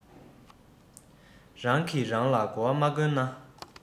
རང གི རང ལ གོ བ མ བསྐོན ན